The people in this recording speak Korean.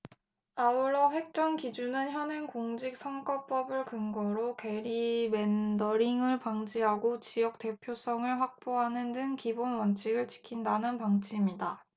아울러 획정 기준은 현행 공직선거법을 근거로 게리맨더링을 방지하고 지역대표성을 확보하는 등 기본 원칙을 지킨다는 방침이다